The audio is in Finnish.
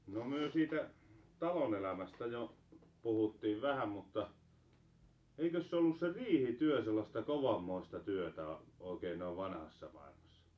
no me siitä talonelämästä jo puhuttiin vähän mutta eikös se ollut se riihityö sellaista kovanmoista työtä - oikein noin vanhassa maailmassa